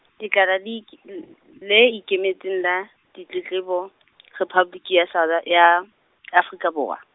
Lekala le Ik-, l- le Ikemetseng la, Ditletlebo , Rephaboliki ya South A-, ya , Afrika Borwa.